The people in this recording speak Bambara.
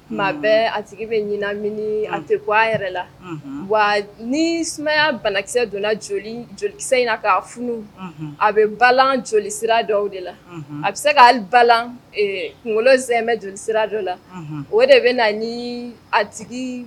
Maa bɛɛ a tigi bɛ ɲin min a tɛ ko a yɛrɛ la wa ni sumayaya banakisɛ donna jolikisɛ in na'a funu a bɛ ba joli sira dɔw de la a bɛ se ka senmɛ joli sira dɔ la o de bɛ na ni a tigi